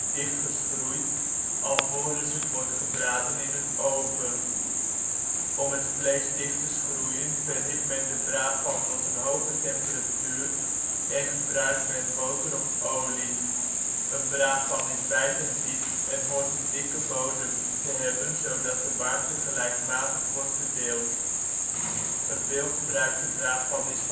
dichtgeschroeid alvorens het wordt gebraden in de oven. Om het vlees dicht te schroeien verhit men de braadpan tot een hoge temperatuur, en gebruikt men boter of olie. Een braadpan is wijd en diep, en hoort een dikke bodem te hebben zodat de warmte gelijkmatig wordt verdeeld. Een veel gebruikte braadpan is